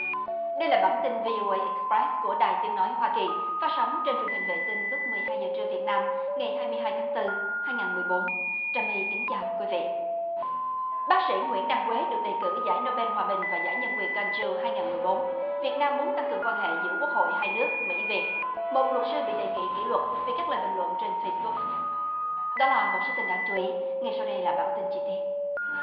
đây là bản tin vi ô ây ịch phét của đài tiếng nói hoa kỳ phát sóng trên truyền hình vệ tinh lúc mười hai giờ trưa việt nam ngày hai mươi hai tháng tư hai ngàn mười bốn trà my kính chào quý vị bác sĩ nguyễn đăng quế được đề cử giải nô ben hòa bình và giải nhân quyền gơn chiu hai ngàn mười bốn việt nam muốn tăng cường quan hệ giữa quốc hội hai nước mỹ về một luật sư bị đề nghị kỷ luật vì các lời bình luận trên phây sờ búc đó là một số tin đáng chú ý ngay sau đây là bản tin chi tiết